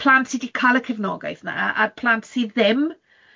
y plant sydd wedi cael y cefnogaeth yna a'r plant sydd ddim.